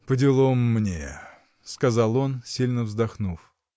— Поделом мне, — сказал он, сильно вздохнув.